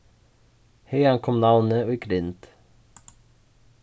haðan kom navnið í grind